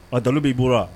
A dalo b'i bolo wa